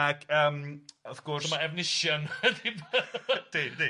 Ac yym wrth gwrs... So ma' Efnisien